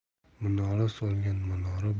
minora solgan minora